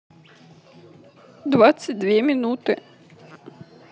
двадцать две минуты